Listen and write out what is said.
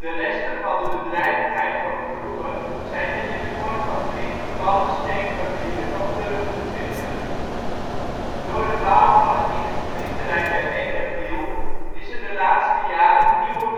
resten van de bedrijvigheid van vroeger zijn hier in de vorm van drie vervallen steenfabrieken nog terug te vinden. Door de bouw van het industrieterrein bij Eck en Wiel is er de laatste jaren nieuwe